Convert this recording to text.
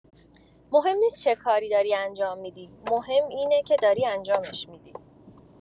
مهم نیست چه کاری داری انجام می‌دی، مهم اینه که داری انجامش می‌دی.